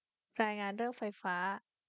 รายงานเรื่องไฟฟ้า